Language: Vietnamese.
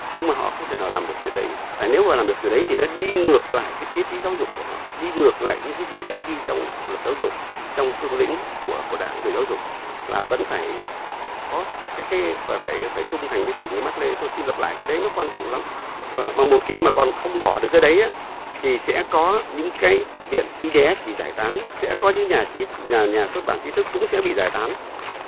nhưng mà họ không thể nào làm được chuyện đấy tại nếu làm được chuyện đấy thì đã đi ngược lại cái triết lý giáo dục của họ đi ngược lại những cái gì đã ghi trong luật giáo dục trong cương lĩnh của của đảng về giáo dục là vẫn phải có cái cái và phải phải trung thành với chủ nghĩa mác lê tôi xin lặp lại cái đấy nó quan trọng lắm và và một khi mà còn không bỏ được cái đấy ớ thì sẽ có những cái viện i đê ét bị giải tán sẽ có những nhà trí nhà nhà xuất bản tri thức cũng sẽ bị giải tán